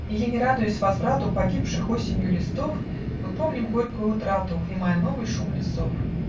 Или, не радуясь возврату Погибших осенью листов, Мы помним горькую утрату, Внимая новый шум лесов